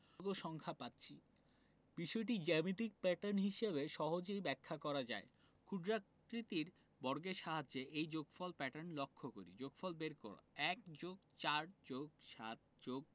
সংখ্যা পাচ্ছি বিষয়টি জ্যামিতিক প্যাটার্ন হিসেবে সহজেই ব্যাখ্যা করা যায় ক্ষুদ্রাকৃতির বর্গের সাহায্যে এই যোগফল প্যাটার্ন লক্ষ করি যোগফল বের কর ১+৪+৭+